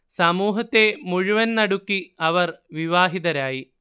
സമൂഹത്തെ മുഴുവൻ നടുക്കി അവർ വിവാഹിതരായി